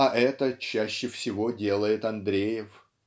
а это чаще всего делает Андреев.